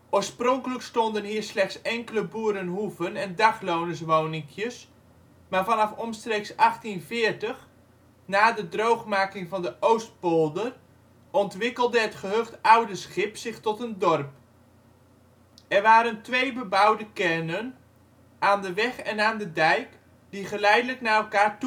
Oorspronkelijk stonden hier slechts enkele boerenhoeven en daglonerswoninkjes, maar vanaf omstreeks 1840, na de droogmaking van de Oostpolder, ontwikkelde het gehucht Oudeschip zich tot een dorp. Er waren twee bebouwde kernen, aan de weg en aan de dijk, die geleidelijk naar elkaar toegroeiden